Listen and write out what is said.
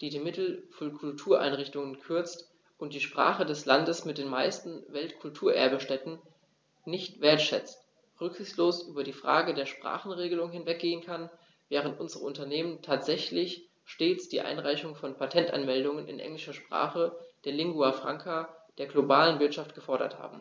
die die Mittel für Kultureinrichtungen kürzt und die Sprache des Landes mit den meisten Weltkulturerbe-Stätten nicht wertschätzt, rücksichtslos über die Frage der Sprachenregelung hinweggehen kann, während unsere Unternehmen tatsächlich stets die Einreichung von Patentanmeldungen in englischer Sprache, der Lingua Franca der globalen Wirtschaft, gefordert haben.